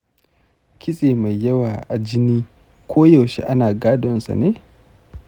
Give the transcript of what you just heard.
kitse mai yawa a jini koyaushe ana gadon sa ne?